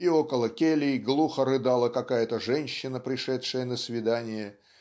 И около келий глухо рыдала какая-то женщина пришедшая на свидание